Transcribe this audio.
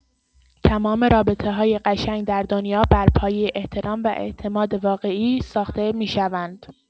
تمام رابطه‌های قشنگ در دنیا بر پایه احترام و اعتماد واقعی ساخته می‌شوند.